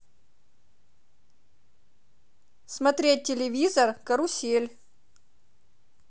смотреть телевизор карусель